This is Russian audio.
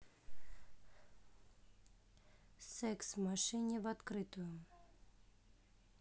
секс в машине в открытую